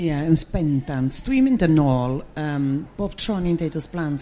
Ie yn s- bendant dwi'n mynd yn ôl yrm bob tro ni'n deud wrth blant